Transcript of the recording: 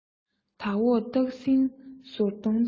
དེ འོག སྟག སྲིང ཟོར གདོང དང